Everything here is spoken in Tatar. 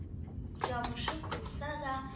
Ябышып булса да